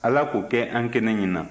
ala k'o kɛ an kɛnɛ ɲɛna